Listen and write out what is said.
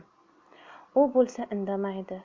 u bo'lsa indamaydi